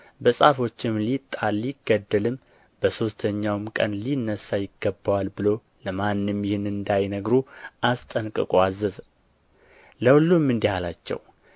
በጻፎችም ሊጣል ሊገደልም በሦስተኛውም ቀን ሊነሣ ይገባዋል ብሎ ለማንም ይህን እንዳይናገሩ አስጠንቅቆ አዘዘ ለሁሉም እንዲህ አላቸው